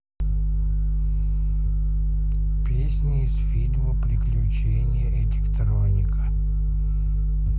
песни из фильма приключения электроника